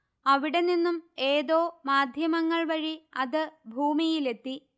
അവിടെ നിന്നും ഏതോ മാധ്യമങ്ങൾ വഴി അത് ഭൂമിയിലെത്തി